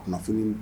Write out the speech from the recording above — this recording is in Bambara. Ma kunnafoni